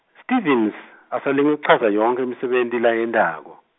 Stevens, asalinge kuchaza yonkhe imisebenti layentako.